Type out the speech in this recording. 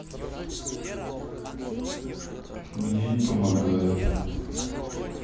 мне не помогает